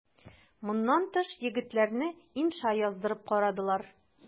Моннан тыш егетләрне инша яздырып карадылар.